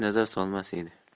nazar solmas edi